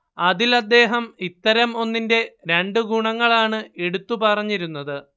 അതിൽ അദ്ദേഹം ഇത്തരം ഒന്നിന്റെ രണ്ട് ഗുണങ്ങളാണ് എടുത്തു പറഞ്ഞിരുന്നത്